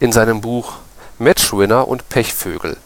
seinem Buch Matchwinner und Pechvögel